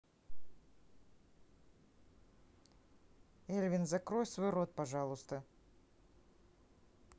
эльвин закрой свой рот пожалуйста